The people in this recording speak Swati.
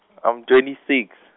I'm twenty six.